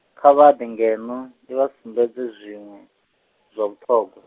kha vha ḓe ngeno, ndi vha sumbedze zwiṅwe, zwa vhuṱhogwa.